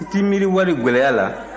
i t'i miiri wari gɛlɛya la